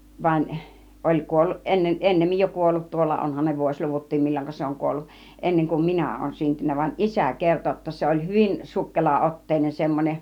vaan oli kuollut - ennemmin jo kuollut tuolla onhan ne vuosiluvutkin milloinka se on kuollut ennen kuin minä olen syntynyt vaan isä kertoi jotta se oli hyvin sukkelaotteinen semmoinen